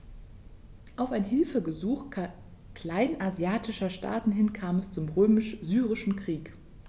Auf ein Hilfegesuch kleinasiatischer Staaten hin kam es zum Römisch-Syrischen Krieg.